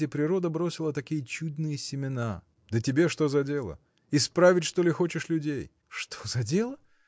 где природа бросила такие чудные семена. – Да тебе что за дело? Исправить, что ли, хочешь людей! – Что за дело?